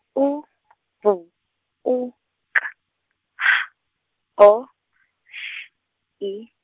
U , B, U, K, H, O, S, I.